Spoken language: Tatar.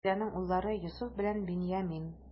Рахиләнең уллары: Йосыф белән Беньямин.